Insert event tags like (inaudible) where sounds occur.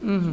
(hesitation) (hesitation)